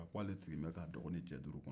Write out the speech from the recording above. a ko ale sigilen bɛ k'a dɔgɔnin cɛ duuru kɔnɔ